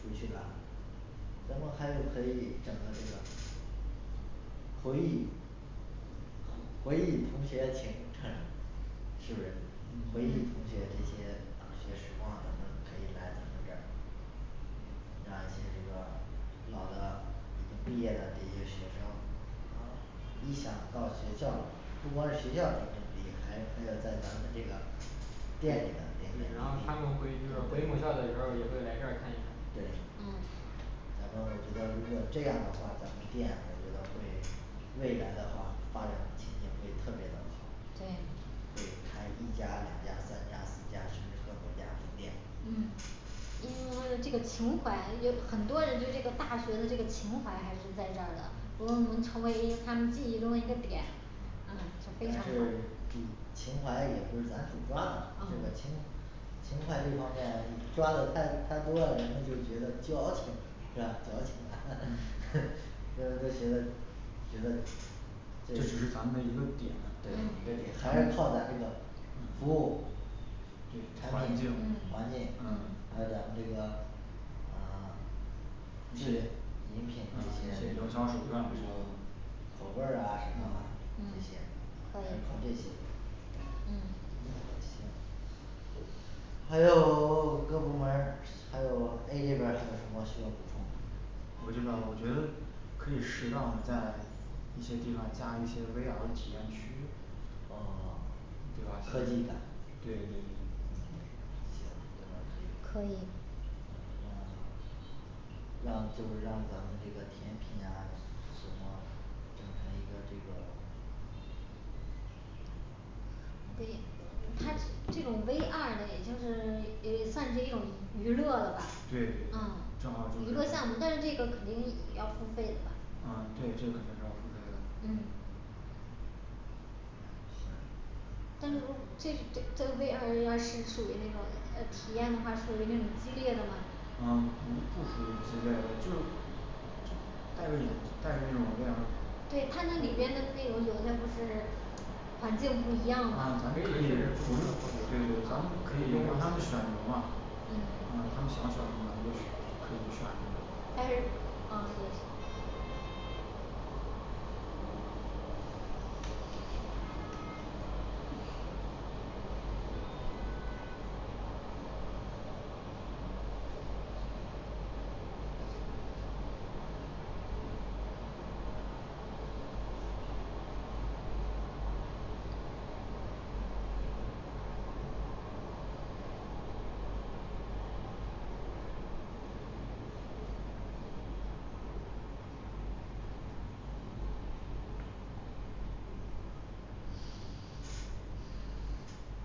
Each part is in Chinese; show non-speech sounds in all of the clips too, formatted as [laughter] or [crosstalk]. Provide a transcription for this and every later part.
出去了咱们还可以整个这个回忆回忆同学情感是不是回忆嗯同嗯学这些大学时光咱们可以来咱们这儿让这些这个老的已经毕业的这些学生呃你想到学校里不光在学校里，你还还有在咱们这个店里面这对然后他们回就是些回母校的时候儿也会来这儿看一看对嗯然后我觉得如果这样的话，咱们店我觉得会未来的话发展前景会特别的好对对开一家儿两家三家四家甚至更多家的店嗯因为他的这个情怀因为很多人对这个大学的这个情怀还是在这儿的如果能成为他们记忆中的一个点呃很也悲伤是的的主情怀也不是咱主抓的这个情啊情怀这方面抓得太太多了，人就觉得矫情是吧矫情嗯 [noise] 就就觉得觉得这只是咱们的一个点对嗯对对还是靠咱这个服务对环境嗯环境嗯嗯还有咱们这个呃 [silence] 质量礼品这个营销手段比较口味儿啊什么啊嗯这些啊考可虑以一下。 行嗯行还有 [silence] 各部门儿，还有A这边儿还有什么需要补充的我知道，我觉得可以适当但一些地方加一些V R体验区哦 [silence] 就把科技感对对对嗯 [silence] 行可那以可以行那让就是让咱们这个甜品啊什么整成一个这个 V它这种V R的也就是也也算是一种娱乐了吧对啊正好娱乐项目但是这个肯定也要付费的吧啊这个区肯定是要付费的啊嗯行但是如这个给这V R要是属于那种呃体验的话，属于那种激烈的嘛啊不属于激烈的就带着眼带着那种非常对他那里边的内容有些不是环境不一样的啊可以对咱们可以让他们选择嘛嗯啊他们想选这个咱们就可以选这个但是啊也是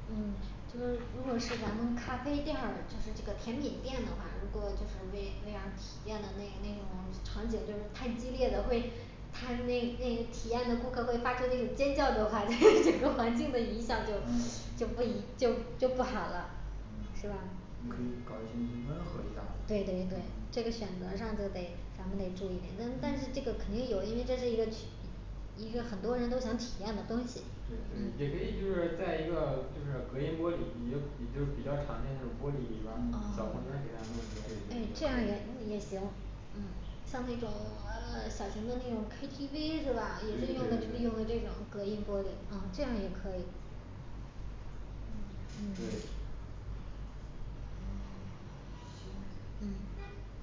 嗯就是如果是咱们咖啡店儿就是这个甜品店的话，如果就是V V R体验的那那种场景就是太激烈的会他那那体验的顾客会发出那种尖叫的话， [noise] 整个环境的影响就嗯就会一就就不好了嗯是吧你可以搞一些那些温和一点儿对的对对这个选择嗯上就得咱们得注意点儿但是但是这个肯定有，因为它这个期 [unintelligible] 一个很多人都想体验的东西对对也可嗯以就是再一个就是隔音玻璃，你就你就比较常见那种玻璃里边儿嗯小啊空间给他诶对对这弄一个样也也行对嗯像那种 [silence] 呃呃小型的那种K T V是吧？对也是对用的对用的这种隔音玻璃啊这样也可以嗯嗯对嗯行嗯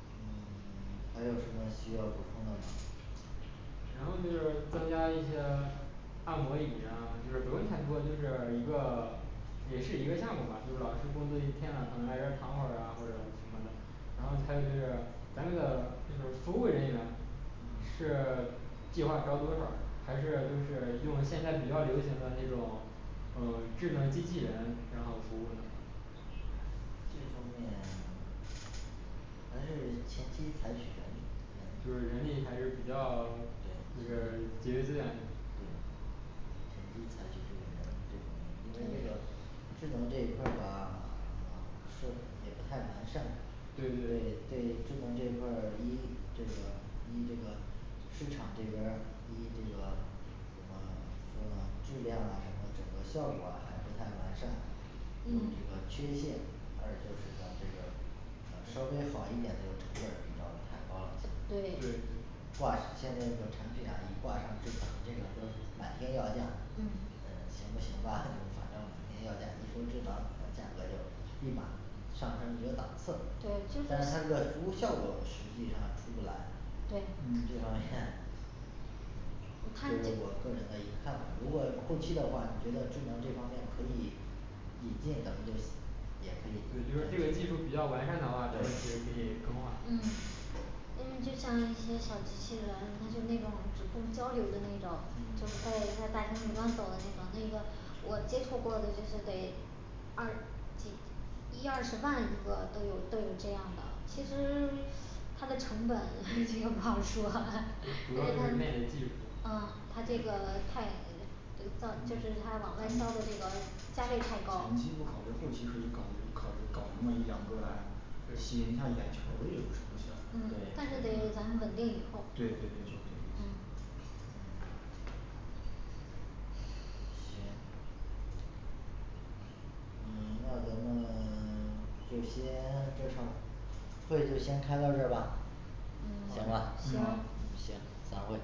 嗯 [silence] 还有什么需要补充的吗然后就是增加一些 [silence] 按摩椅呀，就是不用太多，就是一个也是一个项目儿吧就老师工作一天了，他们来这儿躺会儿啊或者什么的然后还有就是咱们的就是服务人员是 [silence] 计划招多少人，还是就是用现在比较流行的那种嗯智能机器人然后服务呢这方面 [silence] 还是前期采取人力就是人力还是比较就是对节约资源对前期采取这个人力这方面因为这个对智能这一块儿的呃设也不太完善对对对对智能这一块儿一这个一这个市场这边儿一这个怎么说呢质量什么整个效果还不太完善这嗯个缺陷二就是咱这个呃稍微好一点，就成本儿比较太高了对对挂现在这个产品啊一挂上智能这个都满天要价儿基本嗯嗯行不行吧就反正满天要价儿一说智能这价格就立马儿上升一个档次，对但是它这个就服务效是果实际上出不来对嗯这方面 [noise] 嗯它这这是我个人的一个看法，如果后期的话你觉得智能这方面可以引进咱们这些也对就是这个可技术比较以完善的话，咱们其实可以更嗯换嗯因为就像一些小机器人，它就那种主动这交流的那种就嗯是在大厅里乱走的那种那个我接触过的就是得二几一二十万一个都有都有这样的其实 [silence] 啊它的成本 [noise] 这个不好说了，因主要为就是卖的技术它哦它这个太呃呃造就是它往外销的这个价位太高前期不考虑后期可能考虑考虑搞那么一两个来可以吸引一下儿眼球也不是不行嗯但对是得咱们稳定以对对对就后这意思嗯嗯行吧行嗯那咱们 [silence] 就先 [silence] 这场会就先开到这儿吧行嗯吧嗯 [silence] 行行行散会